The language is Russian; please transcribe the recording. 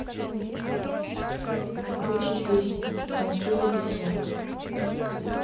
включи песню танцуй обезьянка